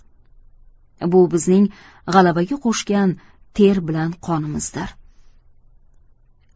bu bizning g'alabaga qo'shgan ter bilan qonimizdir